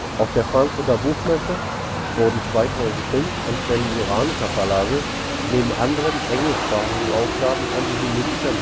Auf der Frankfurter Buchmesse wurden 2005 an Ständen iranischer Verlage neben anderen englischsprachigen Ausgaben antisemitischer